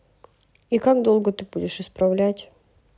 и как долго ты будешь исправлять